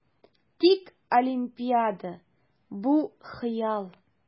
Тик Олимпиада - бу хыял!